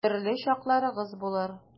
Төрле чакларыгыз булыр.